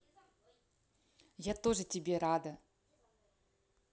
я тоже тебе рада